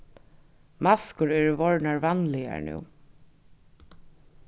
maskur eru vorðnar vanligar nú